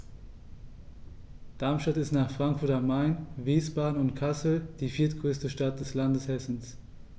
Darmstadt ist nach Frankfurt am Main, Wiesbaden und Kassel die viertgrößte Stadt des Landes Hessen